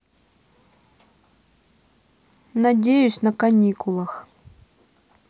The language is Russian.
надеюсь на каникулах